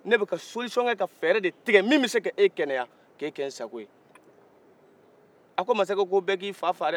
ne bɛ ka solisɔn kɛ ka fɛɛrɛ de tigɛ min bɛ se ka e kɛnɛya k'e kɛ n sago ye a ko masakɛ ko bɛɛ k'i fa faga dɛɛ